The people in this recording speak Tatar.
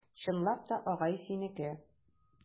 Чынлап та, агай, синеке?